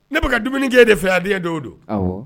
Ne bɛ ka dumuni kɛ e de fɛ yan diɲɛ don o don. Awɔ.